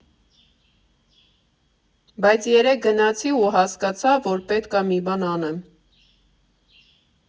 Բայց երեկ գնացի ու հասկացա, որ պետք ա մի բան անեմ։